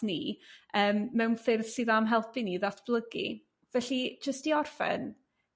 ni yrm mewn ffyrdd sydd am helpu ni i ddatblygu felly jyst i orffen